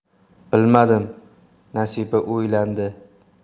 bilmadim nasiba o'ylandi